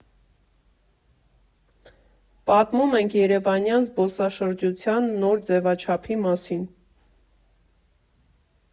Պատմում ենք երևանյան զբոսաշրջության նոր ձևաչափի մասին.